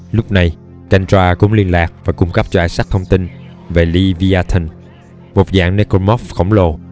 lúc này kendra cũng liên lạc và cung cấp cho isaac thông tin về leviathan dạng necromorph khổng lồ